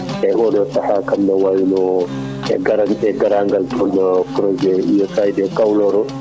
eyyi oɗo sahaa kam ne wayno e garan e garagal hono projet USAID caolore o